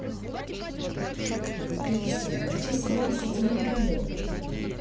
песня хочу себе ситимобил